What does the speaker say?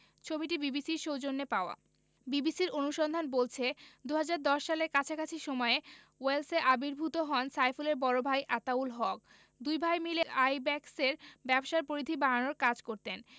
ছবিটি বিবিসির সৌজন্যে পাওয়া বিবিসির অনুসন্ধান বলছে ২০১০ সালের কাছাকাছি সময়ে ওয়েলসে আবির্ভূত হন সাইফুলের বড় ভাই আতাউল হক দুই ভাই মিলে আইব্যাকসের ব্যবসার পরিধি বাড়ানোর কাজ করতেন